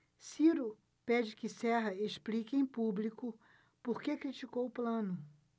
ciro pede que serra explique em público por que criticou plano